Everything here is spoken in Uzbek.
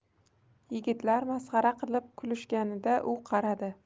yigitlar masxara qilib kulishganida u qaradi